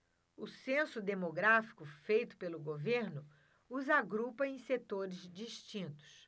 o censo demográfico feito pelo governo os agrupa em setores distintos